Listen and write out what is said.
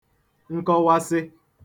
nkọwasị